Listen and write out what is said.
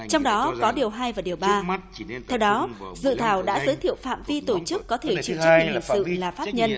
trong đó có điều hai và điều ba theo đó dự thảo đã giới thiệu phạm vi tổ chức có thể chịu trách nhiệm hình sự là pháp nhân